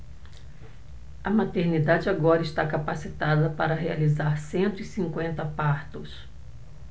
a maternidade agora está capacitada para realizar cento e cinquenta partos